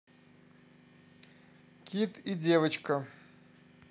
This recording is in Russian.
кит и девочка